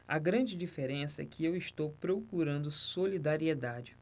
a grande diferença é que eu estou procurando solidariedade